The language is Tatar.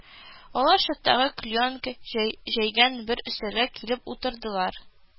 Алар чаттагы клеенка җәйгән бер өстәлгә килеп утырдылар